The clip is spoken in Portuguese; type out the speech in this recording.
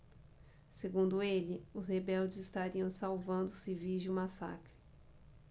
segundo ele os rebeldes estariam salvando os civis de um massacre